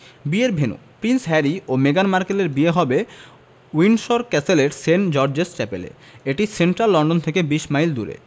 বিয়ের venue prince Harry ও মেগান মার্কেলের বিয়ে হবে উইন্ডসর ক্যাসেলের সেন্ট জর্জেস চ্যাপেলে এটি সেন্ট্রাল লন্ডন থেকে ২০ মাইল দূরে